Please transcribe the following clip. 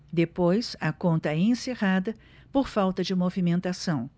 depois a conta é encerrada por falta de movimentação